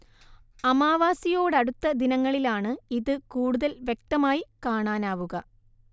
അമാവാസിയോടടുത്ത ദിനങ്ങളിലാണ് ഇത് കൂടുതൽ വ്യക്തമായി കാണാനാവുക